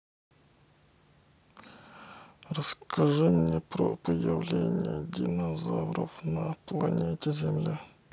расскажи мне про появление динозавров на планете земля